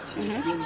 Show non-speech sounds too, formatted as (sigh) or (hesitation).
(hesitation)